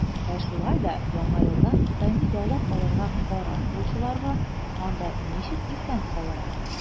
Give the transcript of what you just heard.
Ә шулай да Яңа елда Кытайны яулап алырга карар кылучыларга, - анда ничек исән калырга.